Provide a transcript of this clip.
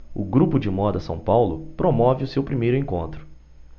o grupo de moda são paulo promove o seu primeiro encontro